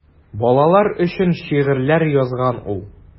Балалар өчен шигырьләр язган ул.